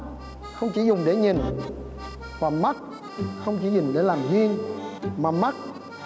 không chỉ dùng để nhìn và mắt không thể dùng để làm duyên mà mắt